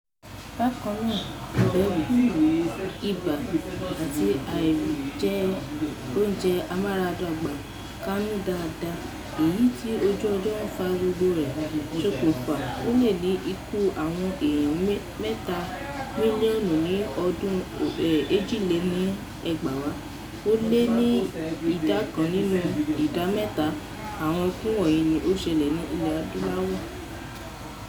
Bákan náà, ìgbẹ́ gbuuru, ibà àti àìjẹ oúnjẹ amáradàgbà kánú daada, èyí tí ojú ọjọ́ ń fa gbogbo rẹ̀, ṣokùnfà ó lé ní ikú àwọn ènìyàn 3 mílíọ̀nù ní ọdún 2002; ó lé ní ìdá kan nínú ìdá mẹ́ta àwọn ikú wọ̀nyí ni ó ṣẹlẹ̀ ní Ilẹ̀ Adúláwò.